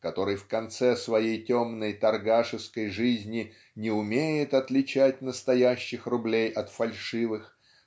который в конце своей темной торгашеской жизни не умеет отличать настоящих рублей от фальшивых